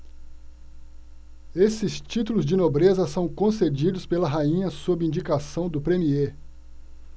esses títulos de nobreza são concedidos pela rainha sob indicação do premiê